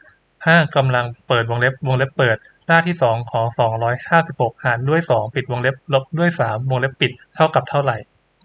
ห้ากำลังเปิดวงเล็บวงเล็บเปิดรากที่สองของสองร้อยห้าสิบหกหารด้วยสองปิดวงเล็บลบด้วยสามวงเล็บปิดเท่ากับเท่าไหร่